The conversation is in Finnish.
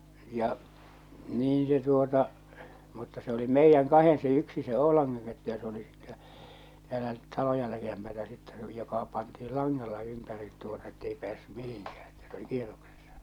ja niin se tuota mutta se oli meidän kahden se yksi se Oulangan kettu ja se oli sitten täällä taloja likempää sitten se oli joka pantiin langalla ympäri tuota että ei päässyt mihinkään että se oli kierroksessa